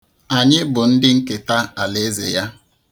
Anyị bụ ndị nketa alaaeze ya.